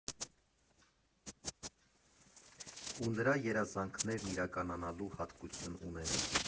Ու նրա երազանքներն իրականանալու հատկություն ունեն։